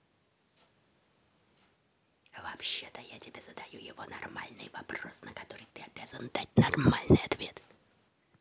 вообще то я тебе задаю его нормальный вопрос на который ты обязан дать нормальный ответ